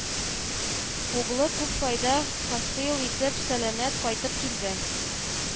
Углы күп файда хасыйл итеп, сәламәт кайтып килде